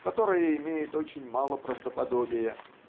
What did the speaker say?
которая имеет очень мало правдоподобия